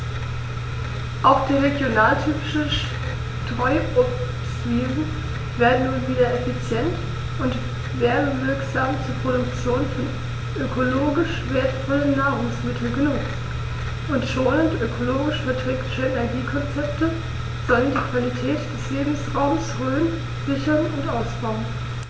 Auch die regionaltypischen Streuobstwiesen werden nun wieder effizient und werbewirksam zur Produktion von ökologisch wertvollen Nahrungsmitteln genutzt, und schonende, ökologisch verträgliche Energiekonzepte sollen die Qualität des Lebensraumes Rhön sichern und ausbauen.